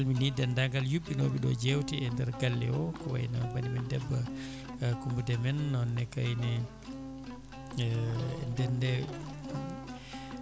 en calminidendagal yuɓɓinoɓe no jewte e nder galle o ko wayno banimen debbo Coumba Déme en nonne kayne